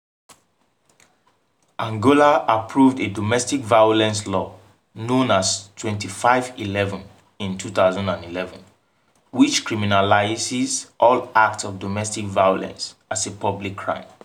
Angola approved a domestic violence law known as 25/11 in 2011 which criminalizes all acts of domestic violence as a public crime.